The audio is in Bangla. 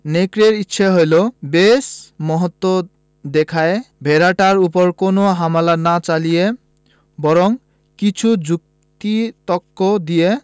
নেকড়ের ইচ্ছে হল বেশ মহত্ব দেখায় ভেড়াটার উপর কোন হামলা না চালিয়ে বরং কিছু যুক্তি তক্ক দিয়ে